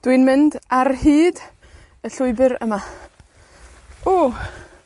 Dwi'n mynd ar hyd y llwybyr yma. Oh.